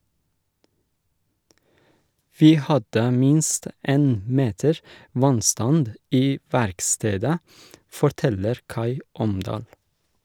- Vi hadde minst én meter vannstand i verkstedet, forteller Kai Omdal.